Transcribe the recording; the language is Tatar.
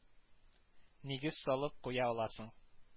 Нигез салып куя аласың